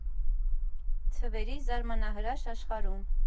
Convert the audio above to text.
Թվերի զարմանահրաշ աշխարհում։